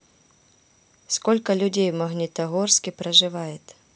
сколько людей в магнитогорске проживают